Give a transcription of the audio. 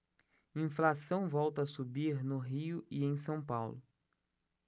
inflação volta a subir no rio e em são paulo